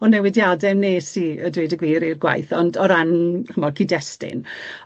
o newidiade wnes i a dweud y gwir i'r gwaith ond o ran ch'mod cyd-destun.